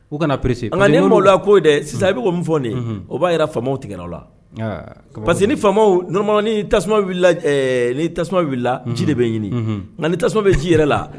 O kana na perese nka nin ma la koo dɛ sisan i bɛo min fɔ de o b'a yɛrɛ faw tigɛyɔrɔ la parce que ni fa n ni tasuma ni tasuma wulila ji de bɛ ɲini nka ni tasuma bɛ ji yɛrɛ la